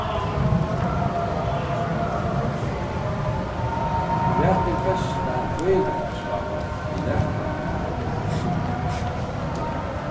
hvat er besta føðingardagsgávan tú nakrantíð hevur fingið